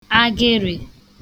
agịrị̀